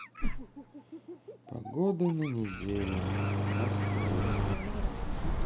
погода на неделю москву